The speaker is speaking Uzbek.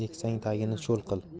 uzum eksang tagini cho'l qil